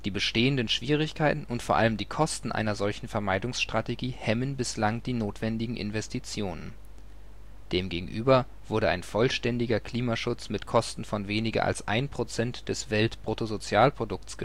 bestehenden Schwierigkeiten und vor allem die Kosten einer solchen Vermeidungsstrategie hemmen bislang die notwendigen Investitionen. Dem gegenüber wurde ein vollständiger Klimaschutz mit Kosten von weniger als 1 % des Welt-Bruttosozialprodukts